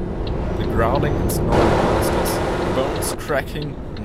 the growling and snoring monsters, bones cracking